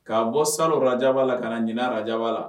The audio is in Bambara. Kaa bɔ sara ja la ka ɲin ara jaba la